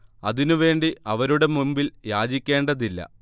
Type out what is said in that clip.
അതിനു വേണ്ടി അവരുടെ മുമ്പിൽ യാചിക്കേണ്ടതില്ല